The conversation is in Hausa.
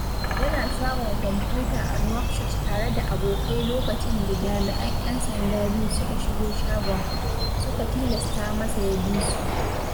Yana shagon kwamfuta a Nouakchott tare da abokai lokacin da jami'an 'yan sanda biyu suka shigo shagon, suka tilasta masa ya bi su.